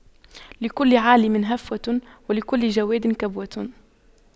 لكل عالِمٍ هفوة ولكل جَوَادٍ كبوة